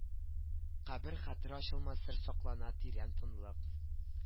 Кабер хәтер ачылмас сер саклана тирән тынлык